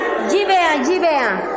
ji bɛ yan ji bɛ yan